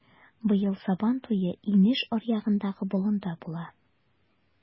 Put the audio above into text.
Быел Сабантуе инеш аръягындагы болында була.